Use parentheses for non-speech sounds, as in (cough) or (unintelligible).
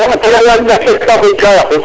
(unintelligible) ka moƴ ka yaqu